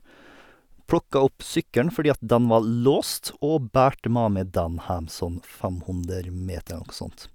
Plukka opp sykkelen, fordi at den var låst, og bærte med meg den heim sånn fem hundre meter eller noe sånt.